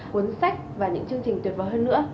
cuốn sách và những chương trình tuyệt vời hơn nữa